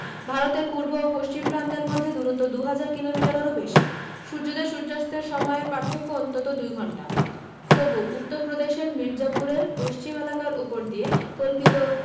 ভারতের পূর্ব ও পশ্চিম প্রান্তের মধ্যে দূরত্ব দু হাজার কিলোমিটারেরও বেশী সূর্যোদয় সূর্যাস্তের সময়ের পার্থক্য অন্তত দু ঘণ্টা তবু উত্তরপ্রদেশের মির্জাপুরের পশ্চিম এলাকার উপর দিয়ে কল্পিত